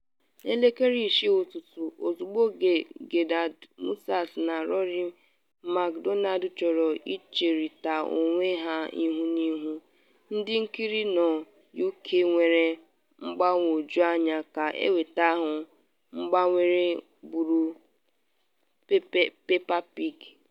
N’elekere 6 ụtụtụ, ozugbo Gegard Mousasi na Rory MacDonald chọrọ icherịta onwe ha ihu n’ihu, ndị nkiri nọ UK nwere mgbagwoju anya ka nweta ahụ gbanwere bụrụ Peppa Pig.